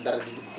dara di dugg